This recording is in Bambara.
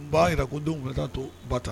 Ba'a jira ko denw bɛ taa to ba tan